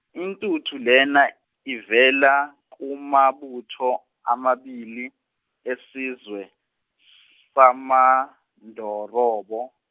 intuthu lena ivela kumabutho amabili esizwe samaNdorobo.